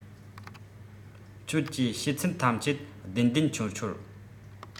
ཁྱོད ཀྱིས བཤད ཚད ཐམས ཅད བདེན བདེན འཆོལ འཆོལ